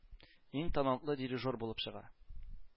Иң талантлы “дирижер” булып чыга.